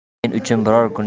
men uchun biror